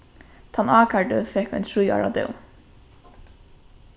tann ákærdi fekk ein trý ára dóm